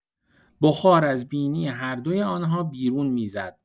بخار از بینی هر دوی آن‌ها بیرون می‌زد.